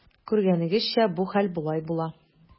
Күргәнегезчә, бу хәл болай була.